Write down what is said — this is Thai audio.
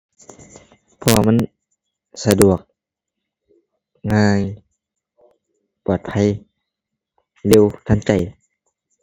เพราะว่ามันสะดวก ง่าย ปลอดภัย เร็วทันใจ